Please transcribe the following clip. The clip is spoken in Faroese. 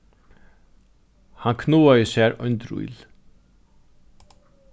hann knoðaði sær ein drýl